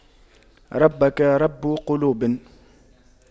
ربك رب قلوب